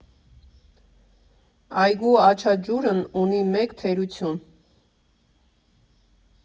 Այգու «Աչաջուրն» ունի մեկ թերություն.